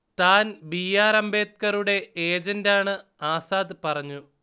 താൻ B. R അംബേദ്കറുടെ ഏജന്റാണ്- ആസാദ് പറഞ്ഞു